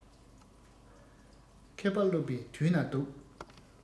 མཁས པ སློབ པའི དུས ན སྡུག